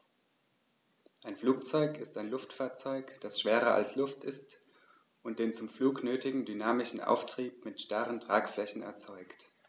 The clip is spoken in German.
Ein Flugzeug ist ein Luftfahrzeug, das schwerer als Luft ist und den zum Flug nötigen dynamischen Auftrieb mit starren Tragflächen erzeugt.